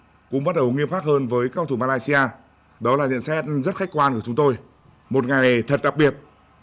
cũng bắt đầu nghiêm khắc hơn với các cầu thủ ma lay si a đó là nhận xét rất khách quan của chúng tôi một ngày thật đặc biệt